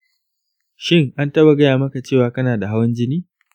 shin, an taɓa gaya maka cewa kana da hawan jini?